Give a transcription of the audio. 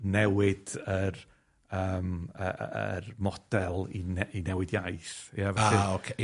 newid yr yym yy yr model i ne- i newid iaith, ie, felly... A ocê.